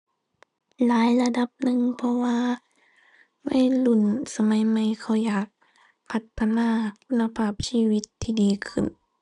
หลายระดับหนึ่ง เพราะว่า วัยรุ่นสมัยใหม่เขาอยาก พัฒนาคุณภาพชีวิตที่ดีขึ้น